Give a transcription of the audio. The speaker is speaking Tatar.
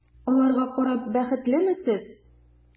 Аларга карап бәхетлеме сез?